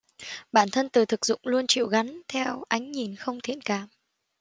bản thân từ thực dụng luôn chịu gắn theo ánh nhìn không thiện cảm